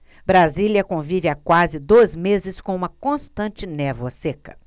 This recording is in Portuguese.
brasília convive há quase dois meses com uma constante névoa seca